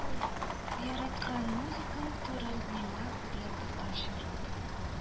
Яраткан музыкаң турын- Миңа күбрəк татарча рэп